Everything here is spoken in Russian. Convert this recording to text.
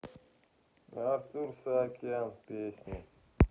артур саакян песни